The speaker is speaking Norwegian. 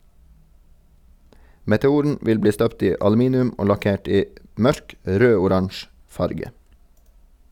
Meteoren vil bli støpt i aluminium og lakkert i mørk rød-oransje farge.